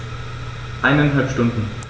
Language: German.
Eineinhalb Stunden